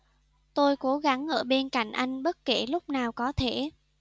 tôi cố gắng ở bên cạnh anh bất kể lúc nào có thể